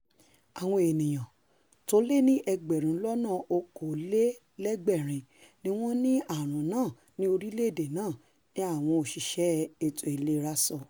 Àwọn ènìyàn tólé ní ẹgbẹ̀rún lọ́nà okòólélẹ̀gbẹrin ní wọn ni ààrun náà ní orilẹ-èdè náà, ni àwọn òṣìṣẹ́ ètò ìlera sọ.